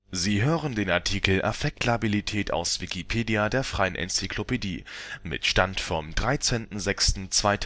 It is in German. Sie hören den Artikel Affektlabilität, aus Wikipedia, der freien Enzyklopädie. Mit dem Stand vom Der